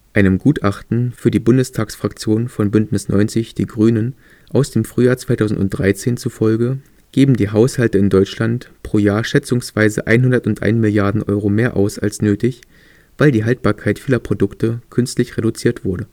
Einem Gutachten für die Bundestagsfraktion von Bündnis 90/Die Grünen aus dem Frühjahr 2013 zufolge geben die Haushalte in Deutschland pro Jahr schätzungsweise 101 Milliarden Euro mehr aus als nötig, weil die Haltbarkeit vieler Produkte künstlich reduziert wurde